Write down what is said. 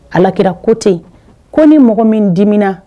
Alakira ko ten ko ni mɔgɔ min dimina